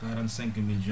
quatrante cinq mille jeunes